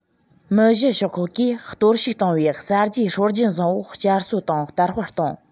མི བཞི ཤོག ཁག གིས གཏོར བཤིག བཏང བའི གསར བརྗེའི སྲོལ རྒྱུན བཟང པོ བསྐྱར གསོ དང དར སྤེལ གཏོང